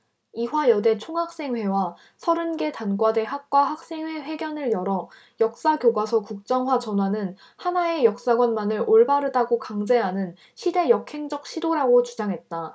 이화여대 총학생회와 서른 개 단과대 학과 학생회 회견을 열어 역사 교과서 국정화 전환은 하나의 역사관만을 올바르다고 강제하는 시대 역행적 시도라고 주장했다